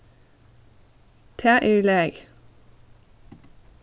tað er í lagi